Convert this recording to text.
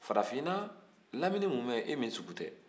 farafinna laminin mumɛ e min sugu tɛ